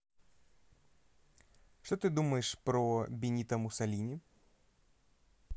что ты думаешь про бенито муссолини